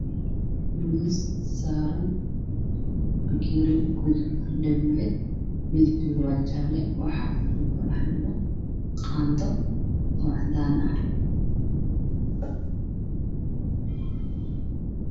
Waa hool waxaa yaal kuraas iyo miisaas